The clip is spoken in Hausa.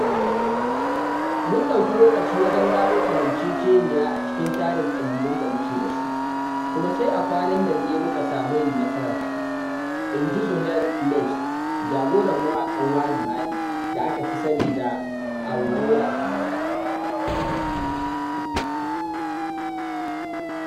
“Mun ɗauki lokaci wajen gano kamanceceniya a cikin tarin ƙabilun da muke da su, kuma sai a kwanan nan ne muka samu yin nasarar hakan,” in ji Zouheir Mejd, jagoran mawaƙan Wana Mali (da aka fi sani da Aurora a baya).